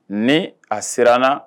Ne a siranna